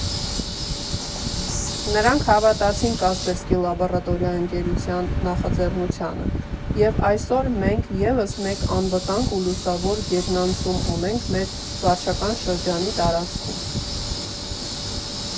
Նրանք հավատացին «Կասպերսկի Լաբորատորիա» ընկերության նախաձեռնությանը, և այսօր մենք ևս մեկ անվտանգ և լուսավոր գետնանցում ունենք մեր վարչական շրջանի տարածքում։